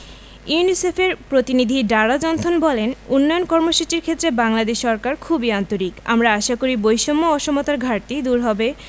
ইউনিসেফের প্রতিনিধি Dara Jonathan বলেন উন্নয়ন কর্মসূচির ক্ষেত্রে বাংলাদেশ সরকার খুবই আন্তরিক আমরা আশা করি বৈষম্য অসমতার ঘাটতি দূর হবে